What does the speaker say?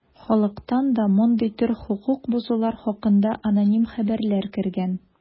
Халыктан да мондый төр хокук бозулар хакында аноним хәбәрләр кергән.